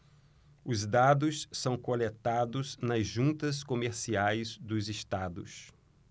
os dados são coletados nas juntas comerciais dos estados